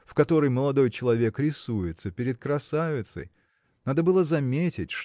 в которой молодой человек рисуется перед красавицей. Надо было заметить